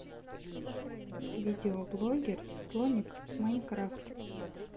видеоблогер слоник майнкрафт